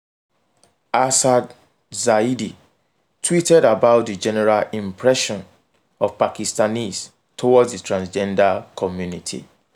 Asad Zaidi tweeted about the general impression of Pakistanis towards the transgender community: